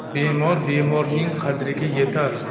bemor bemorning qadriga yetar